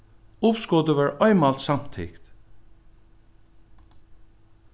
uppskotið var einmælt samtykt